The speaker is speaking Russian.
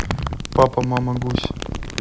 папа мама гусь